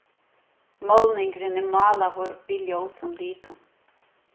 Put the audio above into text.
málningurin er málaður við ljósum litum